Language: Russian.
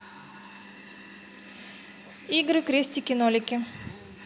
игры крестики нолики